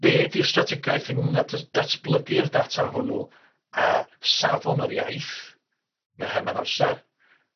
Be 'di'r strategaeth ynglŷn â jyst datblygu'r data hwnnw a safon yr iaith, me' ha- me'r amsar,